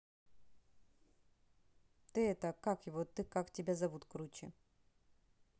ты это как его ты как тебя зовут круче